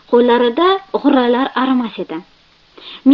qo'llaridan g'urralar arimas edi